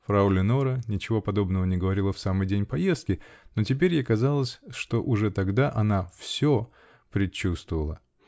(Фрау Леноре ничего подобного не говорила в самый день поездки, но теперь ей казалось, что уже тогда она "все" предчувствовала.